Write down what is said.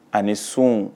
Ani sun